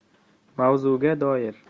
mavzuga doir